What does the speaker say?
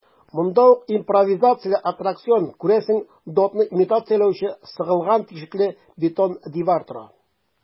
Монда ук импровизацияле аттракцион - күрәсең, дотны имитацияләүче сыгылган тишекле бетон дивар тора.